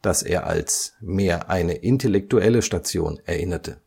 das er als „ mehr [eine] intellektuelle Station “erinnerte